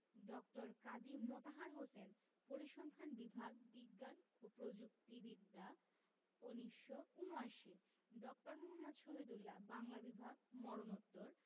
ড. কাজী মোতাহার হোসেন পরিসংখ্যান বিভাগ বিজ্ঞান ও প্রযুক্তি বিদ্যা ১৯৭৯ ড. মুহম্মদ শহীদুল্লাহ বাংলা বিভাগ মরণোত্তর